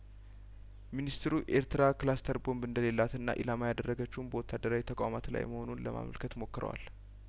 ሚኒስትሩ ኤርትራ ክላስተር ቦምብ እንደሌላትና ኢላማ ያደረገችውም በወታደራዊ ተቋማት ላይ መሆኑን ለማመልከት ሞክረዋል